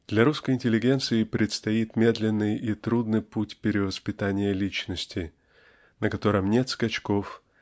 Для русской интеллигенции предстоит медленный и трудный путь перевоспитания личности на котором нет скачков